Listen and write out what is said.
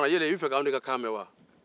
yala i b'a fɛ k'an ka kan mɛn wa